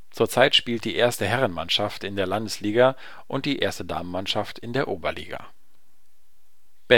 Zur Zeit spielt die 1. Herren-Mannschaft in der Landesliga und die 1. Damen-Mannschaft in der Oberliga. Den